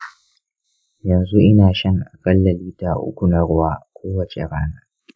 yanzu ina shan akalla lita uku na ruwa kowace rana.